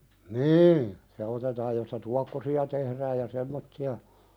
niin se otetaan josta tuokkosia tehdään ja semmoisia